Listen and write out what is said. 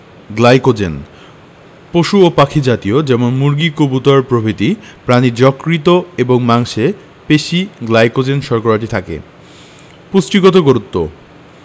glycogen পশু ও পাখি জাতীয় যেমন মুরগি কবুতর প্রভৃতি প্রাণীর যকৃৎ এবং মাংসে পেশি গ্লাইকোজেন শর্করাটি থাকে পুষ্টিগত গুরুত্ব